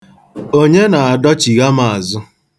Onye na-adọchigha m azụ.